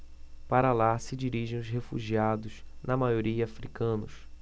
para lá se dirigem os refugiados na maioria hútus